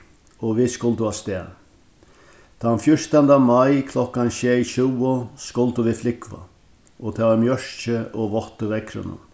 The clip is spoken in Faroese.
og vit skuldu avstað tann fjúrtanda mai klokkan sjey tjúgu skuldu vit flúgva og tað var mjørki og vátt í veðrinum